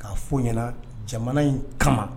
K'a fɔ ɲɛna jamana in kama